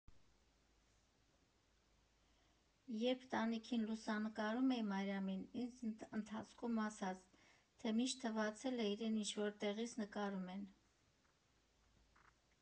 Երբ տանիքին լուսանկարում էի Մարիամին, ինձ ընթացքում ասաց, թե միշտ թվացել է՝ իրեն ինչ֊որ տեղից նկարում են։